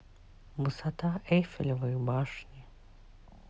высота эйфелевой башни